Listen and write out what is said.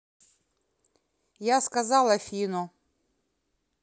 я сказал афину